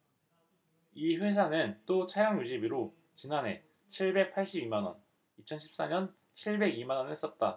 이 회사는 또 차량유지비로 지난해 칠백 팔십 이 만원 이천 십 사 년 칠백 이 만원을 썼다